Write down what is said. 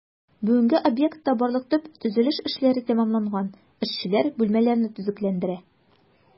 Бүгенгә объектта барлык төп төзелеш эшләре тәмамланган, эшчеләр бүлмәләрне төзекләндерә.